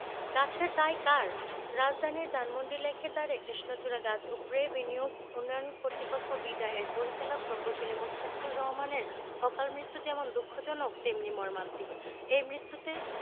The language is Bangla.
গাছের দায় কার রাজধানীর ধানমন্ডি লেকের ধারে কৃষ্ণচূড়া গাছ উপড়ে বিনিয়োগ উন্নয়ন কর্তৃপক্ষ বিডা এর পরিচালক প্রকৌশলী মোস্তাফিজুর রহমানের অকালমৃত্যু যেমন দুঃখজনক তেমনি মর্মান্তিক এই মৃত্যুতে